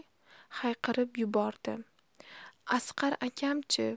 hayqirib yubordi asqar akam chi